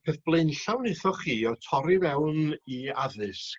peth blaenllaw naethoch chi o'dd torri fewn i addysg